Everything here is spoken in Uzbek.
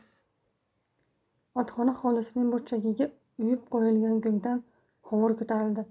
otxona hovlisining burchagiga uyib qo'yilgan go'ngdan hovur ko'tariladi